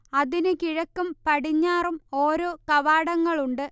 അതിനു കിഴക്കും പടിഞ്ഞാറും ഓരോ കവാടങ്ങളുണ്ട്